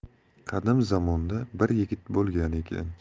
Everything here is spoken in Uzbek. qadim zamonda bir yigit bo'lgan ekan